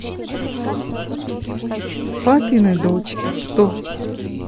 папины дочки сто